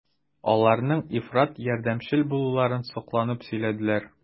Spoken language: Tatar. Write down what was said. Аларның ифрат ярдәмчел булуларын сокланып сөйләделәр.